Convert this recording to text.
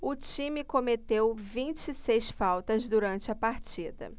o time cometeu vinte e seis faltas durante a partida